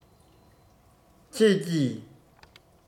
ཁྱེད ཀྱིས